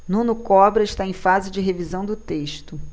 nuno cobra está em fase de revisão do texto